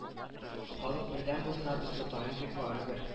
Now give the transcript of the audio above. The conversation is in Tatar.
Халык бердәм булса без отар идек барыбер